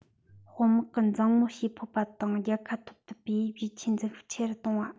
དཔོན དམག གི འཛིང མོ བྱེད ཕོད པ དང རྒྱལ ཁ ཐོབ ཐུབ པའི ཡིད ཆེས འཛིན ཤུགས ཆེ རུ གཏོང བ